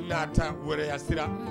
Laada tan wɛrɛya sera